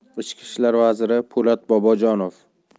ichki ishlar vaziri po'lat bobojonov